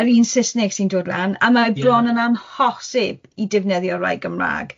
Yr un Susneg sy'n dod lan, a ma'... Ie... bron yn amhosib i defnyddio rai'r Gymrâg.